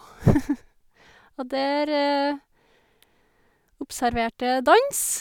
Og der observerte jeg dans.